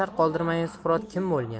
asar qoldirmagan suqrot kim bo'lgan